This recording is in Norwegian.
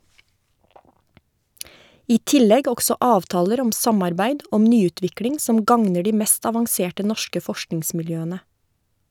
I tillegg også avtaler om samarbeid om nyutvikling som gagner de mest avanserte norske forskningsmiljøene.